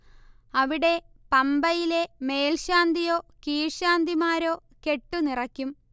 അവിടെ പമ്പയിലെ മേൽശാന്തിയോ കീഴ്ശാന്തിമാരോ കെട്ടു നിറയ്ക്കും